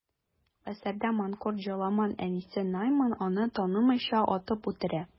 Әсәрдә манкорт Җоламан әнисе Найман ананы танымыйча, атып үтерә.